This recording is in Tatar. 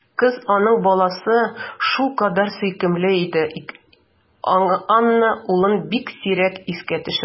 Кыз, аның баласы, шулкадәр сөйкемле иде ки, Анна улын бик сирәк искә төшерде.